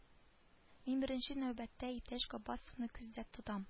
Мин беренче нәүбәттә иптәш габбасовны күздә тотам